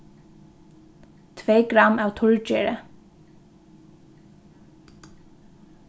tvey gramm av turrgeri